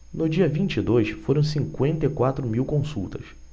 no dia vinte e dois foram cinquenta e quatro mil consultas